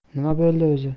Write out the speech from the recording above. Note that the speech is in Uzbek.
nima bo'ldi o'zi